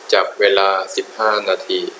จับเวลาสิบห้านาที